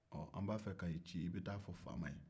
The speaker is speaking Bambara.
ɔ an b'a fɛ k'i ci i bɛ taa fɔ faama ye